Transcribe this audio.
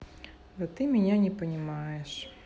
да ты меня не понимаешь